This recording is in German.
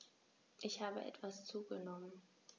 Ich habe etwas zugenommen